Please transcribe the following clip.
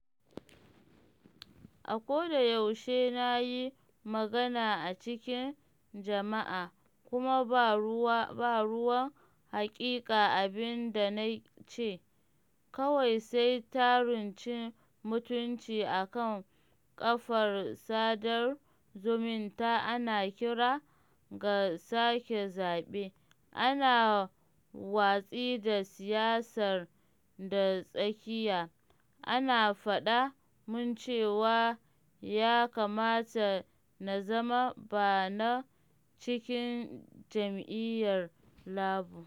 A kodayaushe na yi magana a cikin jama’a - kuma ba ruwan haƙiƙa abin da na ce - kawai sai tarun cin mutunci a kan kafar sadar zumunta ana kira ga sake zaɓe, ana watsi da siyasar ta tsakiya, ana faɗa mun cewa ya kamata na zama ba na cikin jam’iyyar Labour.